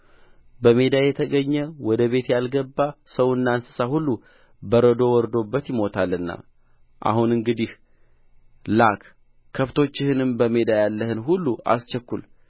በሜዳ የተገኘ ወደ ቤት ያልገባ ሰውና እንስሳ ሁሉ በረዶ ወርዶበት ይሞታልና አሁን እንግዲህ ላክ ከብቶችህንም በሜዳም ያለህን ሁሉ አስቸኵል